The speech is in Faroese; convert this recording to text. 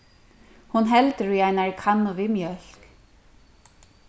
hon heldur í einari kannu við mjólk